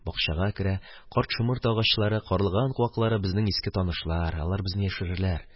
Бакчага керә, карт шомырт агачлары, карлыган куаклары безнең яклы, алар безне яшерәләр.